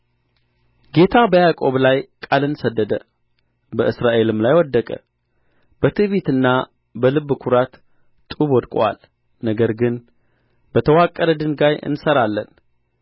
ጌታ በያዕቆብ ላይ ቃልን ሰደደ በእስራኤልም ላይ ወደቀ በትዕቢትና በልብ ኵራት ጡቡ ወድቆአል ነገር ግን በተወቀረ ድንጋይ እንሠራለን